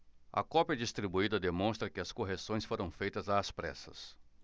a cópia distribuída demonstra que as correções foram feitas às pressas